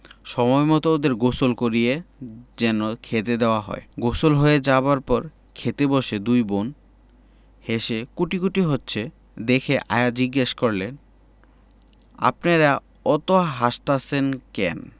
সময়মত ওদের গোসল করিয়ে যেন খেতে দেওয়া হয় গোসল হয়ে যাবার পর খেতে বসে দুই বোন হেসে কুটিকুটি হচ্ছে দেখে আয়া জিজ্ঞেস করলেন আপনেরা অত হাসতাসেন ক্যান